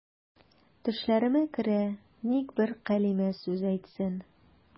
Төшләремә керә, ник бер кәлимә сүз әйтсен.